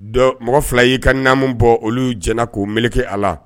Dɔ mɔgɔ 2 y'i ka namu bɔ olu jɛna k'u meleke a la